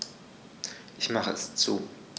Ich mache es zu.